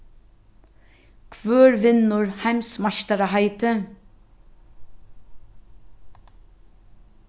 hvør vinnur heimsmeistaraheitið